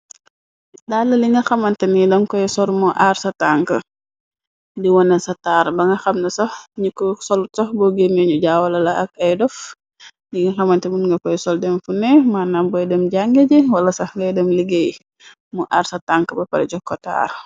daala linga xamante ni dam koy sor mu arsa tank di wone sa taar ba nga xamna sax ñiko solu sox bo génneñu jaawala la ak ay dof dinga xamante mun nga koy sol dem funee mànnam boy dem jàngee je wala sax lee dem liggéey mu aarsa tank ba para jokko taar.